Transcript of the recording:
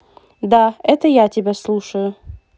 да это я тебя слушаю